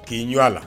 K'i ɲɔ la